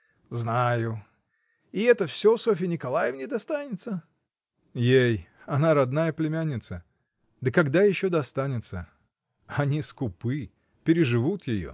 — Знаю, и это всё Софье Николаевне достанется? — Ей: она родная племянница. Да когда еще достанется! Они скупы, переживут ее.